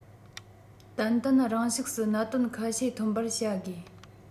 ཏན ཏན རང ཤུགས སུ གནད དོན ཁ ཤས ཐོན པར བྱ དགོས